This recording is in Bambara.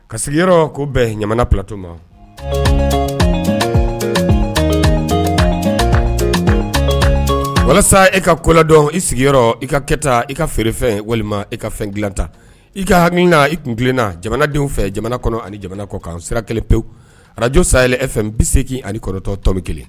Ka sigiyɔrɔ ko bɛn ɲa plato ma walasa e ka ko ladɔn i sigiyɔrɔ i ka kɛta i ka feerefɛn walima i ka fɛn dila ta i ka ha na i kunna jamanadenw fɛ jamana kɔnɔ ani jamana kɔ kan sira kelen pewu aj sayay e fɛn bi segin ani kɔrɔtɔ tobi kelen